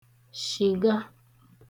shị̀ga